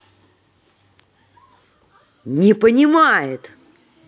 не понимает